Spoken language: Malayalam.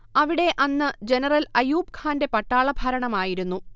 അവിടെ അന്ന് ജനറൽ അയൂബ്ഖാന്റെ പട്ടാളഭരണം ആയിരുന്നു